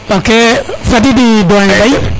ok fadidi Doyen leyi